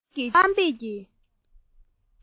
ཅིག གིས རྗེས ནས དམའ འབེབས ཀྱི